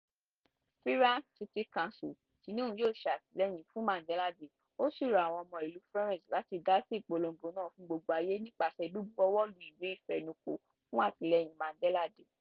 Firenze City Council ti ni òun yóò ṣe àtìleyìn fún Mandela Day ó sì rọ àwọn ọmọ ìlú Florence láti dá sí ìpolongo náà fún gbogbo ayé nípasẹ̀ bíbu ọwọ́ lu ìwé ìfenukò fún atileyìn Mandela Day.